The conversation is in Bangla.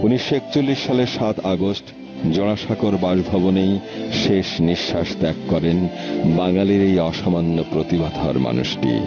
১৯৪১ সালের ৭ আগস্ট জোড়াসাঁকোর বাসভবনেই শেষ নিঃশ্বাস ত্যাগ করেন বাঙালির এই অসামান্য প্রতিভাধর মানুষটি